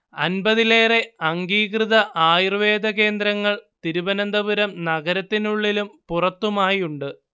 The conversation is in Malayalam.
അൻപതിലേറെ അംഗീകൃത ആയുർവേദ കേന്ദ്രങ്ങൾ തിരുവനന്തപുരം നഗരത്തിനുള്ളിലും പുറത്തുമായുണ്ട്